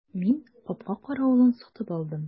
Мин капка каравылын сатып алдым.